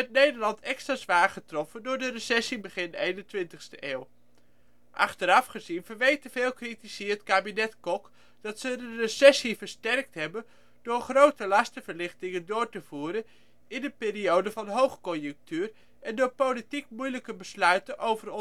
Nederland extra zwaar getroffen door de recessie begin 21e eeuw. Achteraf gezien verweten veel critici het kabinet Kok dat ze de recessie versterkt hebben door grote lastenverlichtingen door te voeren in een periode van hoogconjunctuur en door politiek moeilijke besluiten over